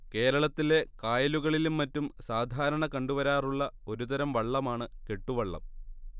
കേരളത്തിലെ കായലുകളിലും മറ്റും സാധാരണ കണ്ടുവരാറുള്ള ഒരു തരം വള്ളമാണ് കെട്ടുവള്ളം